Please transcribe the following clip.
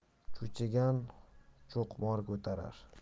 cho'chigan cho'qmor ko'tarar